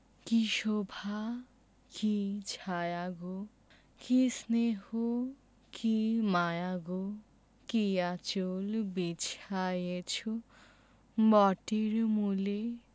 কী শোভা কী ছায়া গো কী স্নেহ কী মায়া গো কী আঁচল বিছায়েছ বটের মূলে